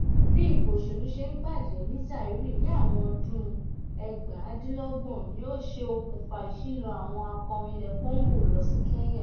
Bí ipò òṣèlú ṣe ń bàjẹ́ ní Zaire ní àwọn ọdún 1970 ni ó ṣe okùnfà ìṣílọ àwọn akọrin ilẹ̀ Congo lọ sí Kenya.